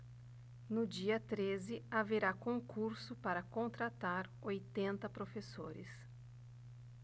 no dia treze haverá concurso para contratar oitenta professores